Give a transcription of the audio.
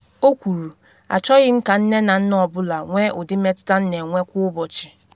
O kwuru “achọghị m ka nne na nna ọ bụla nwee ụdị mmetụta m na enwe kwa ụbọchị,”.